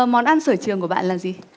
món ăn sở trường của bạn là gì